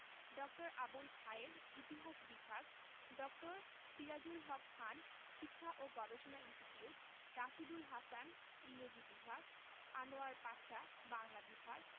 ড. আবুল খায়ের ইতিহাস বিভাগ ড. সিরাজুল হক খান শিক্ষা ও গবেষণা ইনস্টিটিউট রাশীদুল হাসান ইংরেজি বিভাগ আনোয়ার পাশা বাংলা বিভাগ